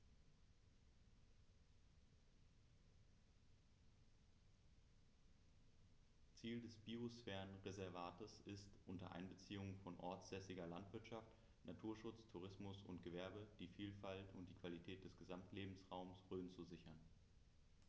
Ziel dieses Biosphärenreservates ist, unter Einbeziehung von ortsansässiger Landwirtschaft, Naturschutz, Tourismus und Gewerbe die Vielfalt und die Qualität des Gesamtlebensraumes Rhön zu sichern.